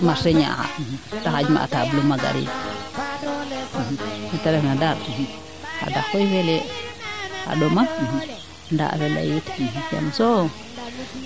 marché Niakhar te xanj ma a table um a gariid mete refna daal a adax koy felee a ɗoma ndaa a fela yit jam soom